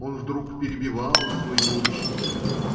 Он вдруг перебивал своего учителя